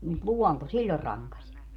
mutta luonto silloin rankaisi